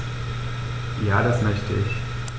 Ja, das möchte ich.